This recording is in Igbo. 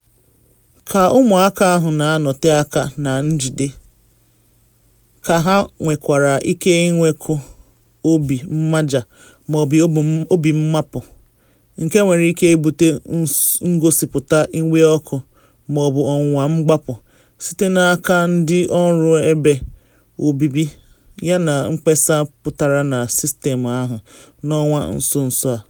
Ka ụmụaka ahụ na anọte aka na njide, ka ha nwekwara ike ịnwekwu obi mmaja ma ọ bụ obi mmapụ, nke nwere ike ibute ngosipụta iwe ọkụ ma ọ bụ ọnwụnwa mgbapụ, site n’aka ndị ọrụ ebe obibi yana mkpesa pụtara na sistemụ ahụ n’ọnwa nso nso a.